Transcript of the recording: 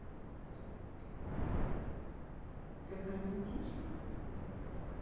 как романтично